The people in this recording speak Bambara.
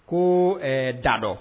Ko dadɔ